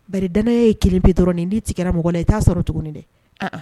Bari dannaya ye kelen pe dɔrɔn de ye n'i tigɛra mɔgɔ la i t'a sɔrɔ tuguni dɛ, an-an